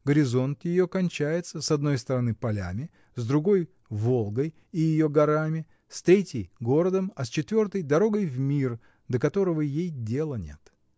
горизонт ее кончается — с одной стороны полями, с другой — Волгой и ее горами, с третьей — городом, а с четвертой — дорогой в мир, до которого ей дела нет.